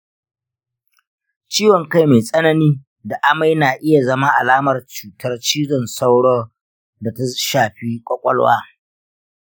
ciwon kai mai tsanani da amai na iya zama alamar cutar cizon sauror da ta shafi ƙwaƙwalwa.